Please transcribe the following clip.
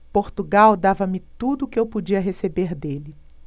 portugal dava-me tudo o que eu podia receber dele